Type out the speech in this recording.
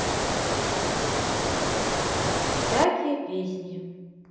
всякие песни